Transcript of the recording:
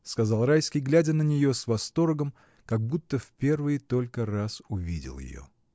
— сказал Райский, глядя на нее с восторгом, как будто в первый только раз увидел ее.